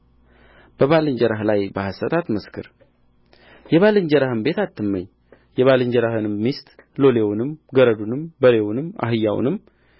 በባልንጀራህ ላይ በሐሰት አትመስክር የባልንጀራህን ቤት አትመኝ የባልንጀራህን ሚስት ሎሌውንም ገረዱንም በሬውንም አህያውንም